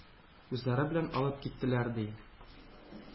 Үзләре белән алып киттеләр, ди,